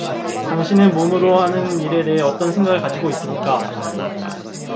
당신은 몸으로 하는 일에 대해 어떤 생각을 가지고 있습니까